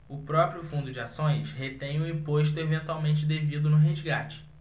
o próprio fundo de ações retém o imposto eventualmente devido no resgate